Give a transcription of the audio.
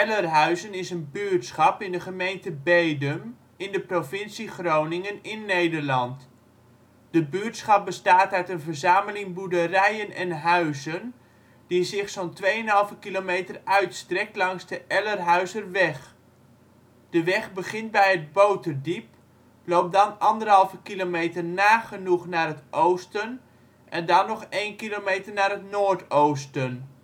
Ellerhuizen is een buurtschap in de gemeente Bedum in de provincie Groningen in Nederland. De buurtschap bestaat uit een verzameling boerderijen en huizen die zich zo 'n 2½ km uitstrekt langs de Ellerhuizerweg. De weg begint bij het Boterdiep, loopt dan 1½ km nagenoeg naar het oosten en dan nog 1 km naar het noordoosten